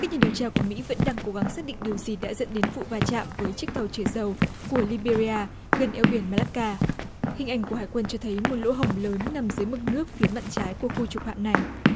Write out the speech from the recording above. các nhà điều tra của mỹ vẫn đang cố gắng xác định điều gì đã dẫn đến vụ va chạm với chiếc tàu chở dầu của li bia ri a gần eo biển ma lắc ca hình ảnh của hải quân cho thấy một lỗ hổng lớn nằm dưới mực nước phía mạn trái của khu trục hạm này